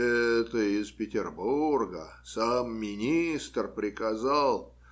Это из Петербурга, сам министр приказал.